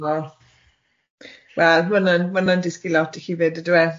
Wel ma' wnna'n ma' wnna'n disgu lot i chi fyd ydyw e?